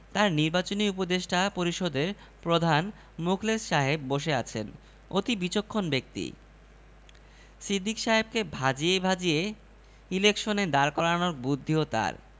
তাঁর মুখের বিরস ভাব তিনগুণ বেড়েছে কারণ কিছুক্ষণ আগে ভয়েস অব আমেরিকা শ্রবণ সমিতিও দু হাজার টাকা নিয়ে গেছে শ্রবণ সমিতির খবর প্রচার হল